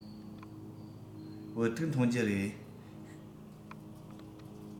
བོད ཐུག འཐུང རྒྱུ རེད